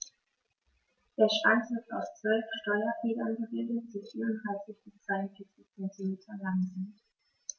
Der Schwanz wird aus 12 Steuerfedern gebildet, die 34 bis 42 cm lang sind.